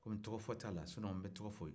kɔmi tɔgɔ fɔ t'a la n'otɛ n tun bɛ tɔgɔ fɔ i ye